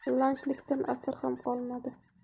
lanjlikdan asar ham qolmadi